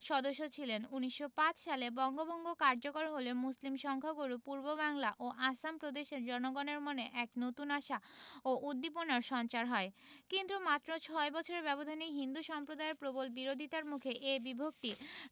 সদস্য ছিলেন ১৯০৫ সালে বঙ্গভঙ্গ কার্যকর হলে মুসলিম সংখ্যাগুরু পূর্ববাংলা ও আসাম প্রদেশের জনগণের মনে এক নতুন আশা ও উদ্দীপনার সঞ্চার হয় কিন্তু মাত্র ছয় বছরের ব্যবধানে হিন্দু সম্প্রদায়ের প্রবল বিরোধিতার মুখে এ বিভক্তি